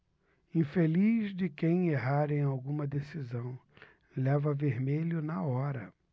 infeliz de quem errar em alguma decisão leva vermelho na hora